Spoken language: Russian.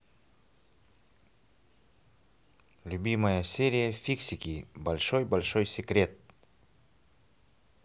любимая серия фиксики большой большой секрет